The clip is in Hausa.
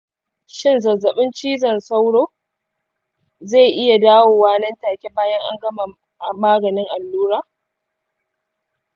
shin zazzabin cizon sauro zai iya dawowa nan take bayan an gama maganin allura?